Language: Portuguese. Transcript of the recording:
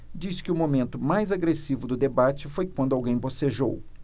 diz que o momento mais agressivo do debate foi quando alguém bocejou